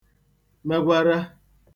megwara